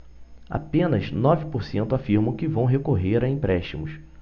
apenas nove por cento afirmam que vão recorrer a empréstimos